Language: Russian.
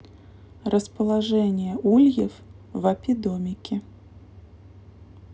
расположение ульев в апидомике